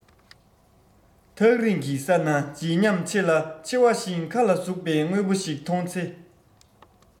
ཐག རིང གི ས ན བརྗིད ཉམས ཆེ ལ མཆེ བ བཞིན མཁའ ལ ཟུག བའི དངོས པོ ཞིག མཐོང ཚེ